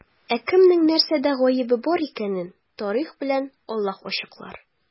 Ә кемнең нәрсәдә гаебе бар икәнен тарих белән Аллаһ ачыклар.